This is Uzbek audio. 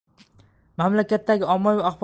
mamlakatdagi ommaviy axborot